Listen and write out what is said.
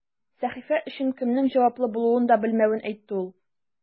Сәхифә өчен кемнең җаваплы булуын да белмәвен әйтте ул.